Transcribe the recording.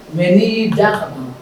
Mɛ n'i y'i da